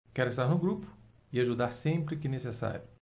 quero estar no grupo e ajudar sempre que necessário